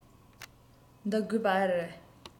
འདི དགོས པ ཨེ རེད